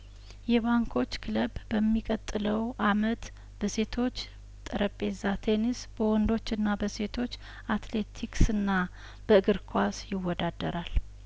የባንኮች ክለብ በሚቀጥለው አመት በሴቶች ጠረጴዛ ቴኒስ በወንዶችና በሴቶች አትሌቲክስና በእግር ኳስ ይወዳ ደራል